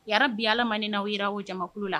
Ya bi ala ma n'aw jira ojakulu la